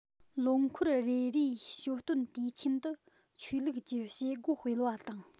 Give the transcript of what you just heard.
ལོ འཁོར རེ རེའི ཞོ སྟོན དུས ཆེན དུ ཆོས ལུགས ཀྱི བྱེད སྒོ སྤེལ བ དང